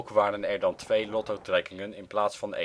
waren er dan twee Lotto-trekkingen in plaats van